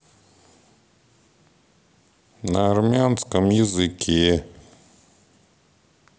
на армянском языке